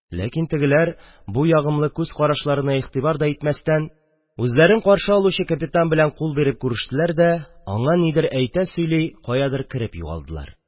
Ләкин тегеләр, бу ягымлы күз карашларына игътибар да итмәстән, үзләрен каршы алучы капитан белән кул биреп күрештеләр дә, аңа нидер әйтә-сөйли, каядыр кереп югалдылар.